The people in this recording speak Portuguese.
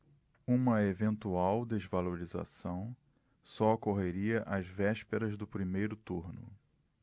uma eventual desvalorização só ocorreria às vésperas do primeiro turno